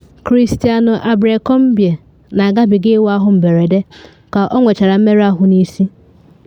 Christion Abercrombie Na Agabiga Ịwa Ahụ Mberede Ka Ọ Nwechara Mmerụ Ahụ N’isi